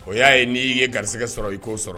O y'a ye n'i ye garisigɛ sɔrɔ i k'o sɔrɔ